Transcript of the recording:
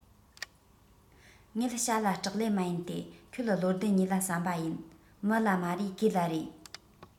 ངེད བྱ ལ སྐྲག ལེ མ ཡིན ཏེ ཁྱོད བློ ལྡན གཉིས ལ བསམས པ ཡིན མི ལ མ རེ གོས ལ རེ